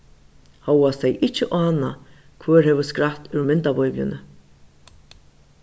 hóast tey ikki ána hvør hevur skrætt úr myndabíbliuni